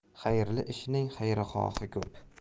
xayrli ishning xayrixohi ko'p